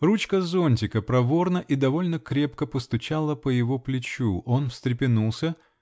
Ручка зонтика проворно -- и довольно крепко -- постучала по его плечу. Он встрепенулся.